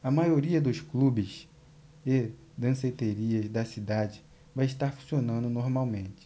a maioria dos clubes e danceterias da cidade vai estar funcionando normalmente